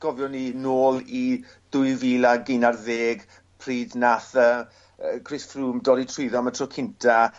gofiwn ni nôl i dwy fil ag un ar ddeg pryd nath yy yy Chris Froome dorri trwyddo am y tro cynta